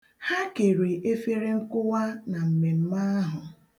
Ha kere efere nkụwa na mmemme ahụ.